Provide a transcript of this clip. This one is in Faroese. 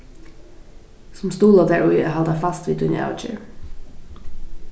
sum stuðla tær í at halda fast við tína avgerð